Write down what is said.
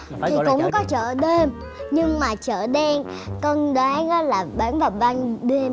thì cũng có chợ đêm nhưng mà chợ đen con đoán là bán vào ban đêm